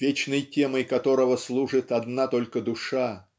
вечной темой которого служит одна только душа